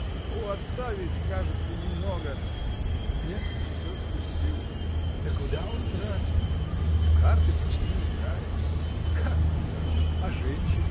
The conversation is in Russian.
— У отца ведь, кажется, немного. — Нет, всё спустил. — Да куда он тратит? В карты почти не играет. — Как куда? А женщины?